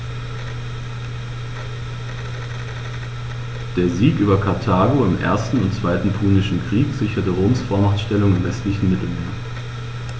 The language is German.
Der Sieg über Karthago im 1. und 2. Punischen Krieg sicherte Roms Vormachtstellung im westlichen Mittelmeer.